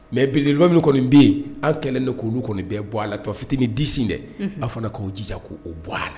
Mɛ bil min kɔni bɛ yen an kɛlen de k'olu kɔni bɛɛ bɔ a la tɔ fitinin disin dɛ a fana k'o jija k' o bɔ a la